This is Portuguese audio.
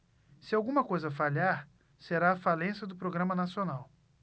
se alguma coisa falhar será a falência do programa nacional